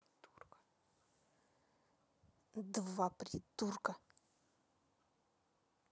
два придурка